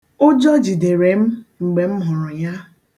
Ụjọ jidere m mgbe m hụrụ ya.